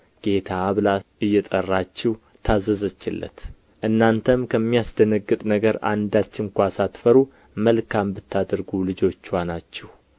ጌታ ብላ እየጠራችው ታዘዘችለት እናንተም ከሚያስደነግጥ ነገር አንዳች እንኳ ሳትፈሩ መልካም ብታደርጉ ልጆችዋ ናችሁ